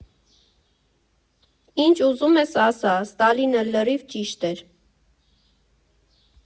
Ինչ ուզում ես ասա՝ Ստալինը լրիվ ճիշտ էր։